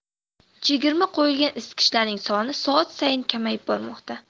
chegirma qo'yilgan isitgichlarning soni soat sayin kamayib bormoqda